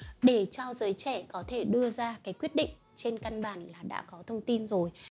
để giới trẻ có thể đưa ra quyết định trên căn bản là đã có thông tin rồi